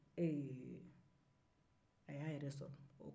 ee a y'a yɛrɛ sɔrɔ